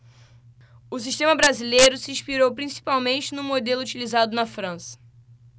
o sistema brasileiro se inspirou principalmente no modelo utilizado na frança